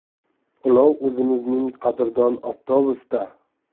ulov o'zimizning qadrdon avtobus da